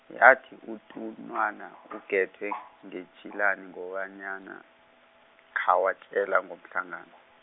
yathi utunwana uGethwe ngetshilani ngobanyana khawatjele ngomhlangano